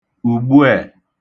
ùgbuè